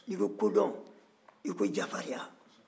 n'i ko kodɔn i ko jafarinya